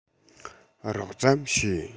རགས ཙམ ཤེས